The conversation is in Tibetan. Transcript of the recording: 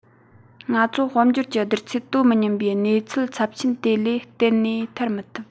ང ཚོ དཔལ འབྱོར གྱི བསྡུར ཚད དོ མི མཉམ པའི གནས ཚུལ ཚབས ཆེན དེ ལས གཏན ནས ཐར མ ཐུབ